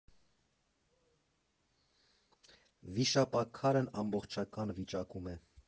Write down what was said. Վիշապաքարն ամբողջական վիճակում է։